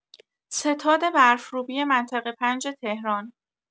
ستاد برف‌روبی منطقه ۵ تهران